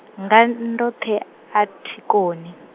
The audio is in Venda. nga, ndoṱhe, athi koni.